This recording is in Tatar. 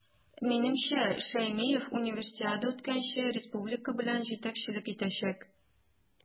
Минемчә, Шәймиев Универсиада үткәнче республика белән җитәкчелек итәчәк.